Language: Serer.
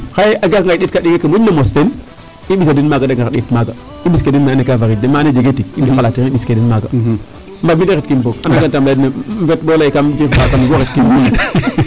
Xaye a garanga a ɗeetkaa a ɗinga ke moƴna mos teen o ɓisaa den maaga de ngara ɗeet maaga, i ɓis ke den ma andoona yee kaa fariƴ de ma andoona yee jege tig i ngatiran i ɓiskee den maaga a mi' de retkiim boog a naa reta um layaa dene kam jeg waa waruuma ret.